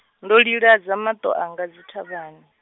ndo liladza maṱo anga dzi thavhani.